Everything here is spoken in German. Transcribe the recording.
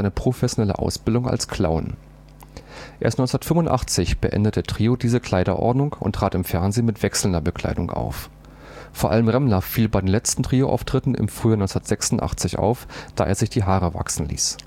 professionelle Ausbildung als Clown. Erst 1985 beendete Trio diese „ Kleiderordnung “und trat im Fernsehen mit wechselnder Bekleidung auf. Vor allem Remmler fiel bei den letzten Trio-Auftritten im Frühjahr 1986 auf, da er sich die Haare wachsen ließ